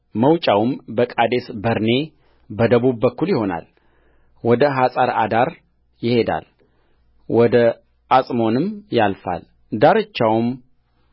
መውጫውም በቃዴስ በርኔ በደቡብ በኩል ይሆናል ወደ ሐጸርአዳር ይሄዳል ወደ ዓጽሞንም ያልፋልዳርቻውም